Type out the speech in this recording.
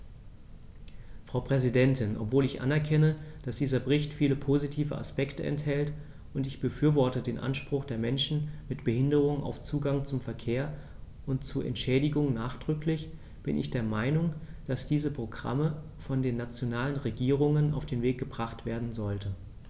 Frau Präsidentin, obwohl ich anerkenne, dass dieser Bericht viele positive Aspekte enthält - und ich befürworte den Anspruch der Menschen mit Behinderung auf Zugang zum Verkehr und zu Entschädigung nachdrücklich -, bin ich der Meinung, dass diese Programme von den nationalen Regierungen auf den Weg gebracht werden sollten.